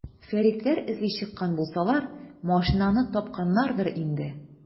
Фәритләр эзли чыккан булсалар, машинаны тапканнардыр инде.